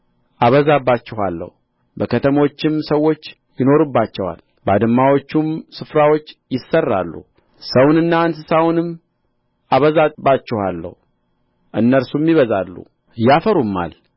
አበዛባችኋለሁ በከተሞችም ሰዎች ይኖሩባቸዋል ባድማዎቹም ስፍራዎች ይሠራሉ ሰውንና እንስሳውንም አበዛባችኋለሁ እነርሱም ይበዛሉ ያፈሩማል